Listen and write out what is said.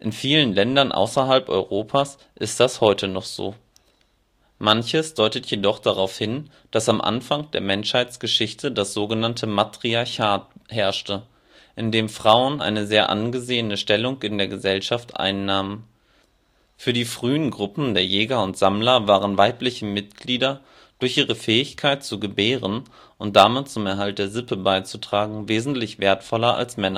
vielen Ländern außerhalb Europas ist das heute noch so. Frau aus Bangladesh beim Weben. Die Kleiderherstellung war in vielen Kulturen Frauendomäne. Manches deutet jedoch darauf hin, dass am Anfang der Menschheitsgeschichte das sogenannte Matriarchat herrschte, in dem Frauen eine sehr angesehene Stellung in der Gesellschaft einnahmen. Für die frühen Gruppen der Jäger und Sammler waren weibliche Mitglieder durch Ihre Fähigkeit, zu gebären, und damit zum Erhalt der Sippe beizutragen, wesentlich wertvoller als Männer